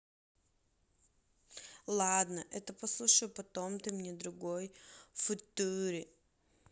ладно это послушаю потом ты мне другой future